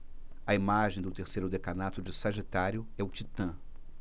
a imagem do terceiro decanato de sagitário é o titã